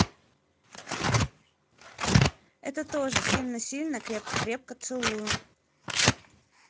это тоже сильно сильно крепко крепко целую